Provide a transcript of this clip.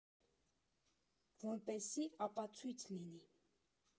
Որպեսզի ապացույց լինի։